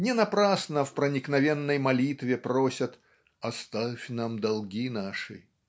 не напрасно в проникновенной молитве просят "оставь нам долги наши".